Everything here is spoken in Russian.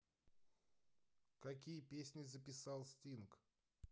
какие песни записал стинг